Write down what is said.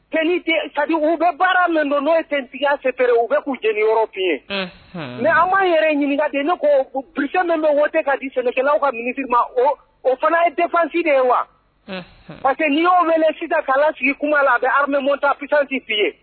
T ka u bɛ baara min don n'o ye tya fɛɛrɛ u bɛ k'u jɛeni yɔrɔ p ye mɛ an'an yɛrɛ ɲininka de ye ne ko p min don o tɛ ka di sɛnɛkɛlaw ka mini ma o o fana ye defasi de ye wa parce que ni' mɛn ne sida' sigi kuma la a bɛ halimamu ta psasi'i ye